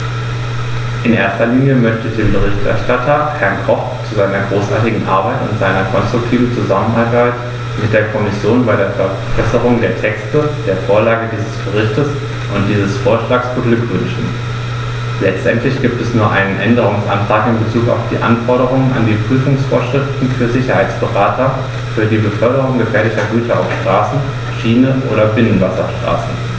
In erster Linie möchte ich den Berichterstatter, Herrn Koch, zu seiner großartigen Arbeit und seiner konstruktiven Zusammenarbeit mit der Kommission bei der Verbesserung der Texte, der Vorlage dieses Berichts und dieses Vorschlags beglückwünschen; letztendlich gibt es nur einen Änderungsantrag in bezug auf die Anforderungen an die Prüfungsvorschriften für Sicherheitsberater für die Beförderung gefährlicher Güter auf Straße, Schiene oder Binnenwasserstraßen.